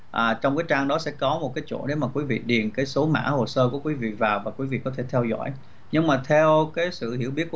à trong cái trang đó sẽ có một cái chỗ để mặc với việc điền cái số mã hồ sơ của quý vị và và quý vị có thể theo dõi nhưng mà theo cái sự hiểu biết